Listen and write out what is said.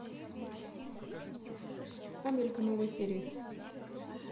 амелька новые серии